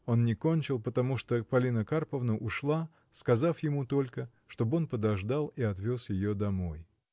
Он не кончил, потому что Полина Карповна ушла, сказав ему только, чтоб он подождал и отвез ее домой.